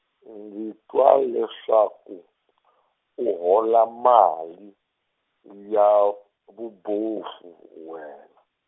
ndzi twa leswaku , u hola mali ya vubofu wena.